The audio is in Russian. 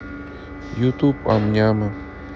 ютуб ам няма